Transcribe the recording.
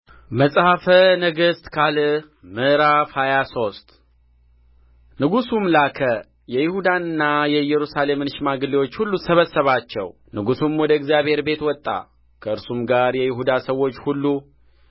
መጽሐፈ ነገሥት ካልዕ ምዕራፍ ሃያ ሶስት ንጉሡም ላከ የይሁዳንና የኢየሩሳሌምንም ሽማግሌዎች ሁሉ ሰበሰባቸው ጉሡም ወደ እግዚአብሔር ቤት ወጣ ከእርሱም ጋር የይሁዳ ሰዎች ሁሉ